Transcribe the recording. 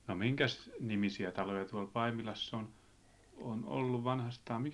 no minkäsnimisiä taloja tuolla Paimilassa on on ollut vanhastaan